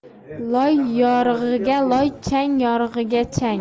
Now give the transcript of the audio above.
loy yorig'iga loy chang yorig'iga chang